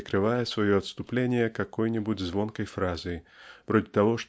прикрывая свое отступление какой-нибудь звонкой фразой вроде того